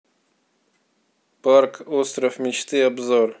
парк остров мечты обзор